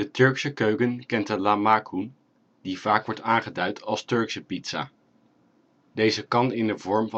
Turkse keuken kent de lahmacun, die vaak wordt aangeduid als Turkse pizza. Deze kan in de vorm